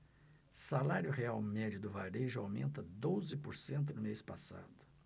salário real médio do varejo aumenta doze por cento no mês passado